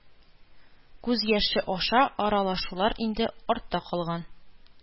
Күз яше аша аралашулар инде артта калган.